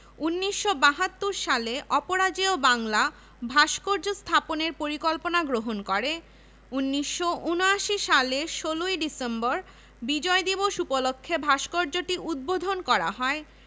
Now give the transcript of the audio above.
মরণোত্তর সাহিত্য ১৯৮০ ড. সিরাজুল হক ইসলামের ইতিহাস ও সংস্কৃতি বিভাগ শিক্ষা ১৯৮৩